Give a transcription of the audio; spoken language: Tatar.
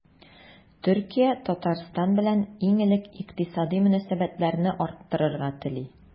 Төркия Татарстан белән иң элек икътисади мөнәсәбәтләрне арттырырга тели.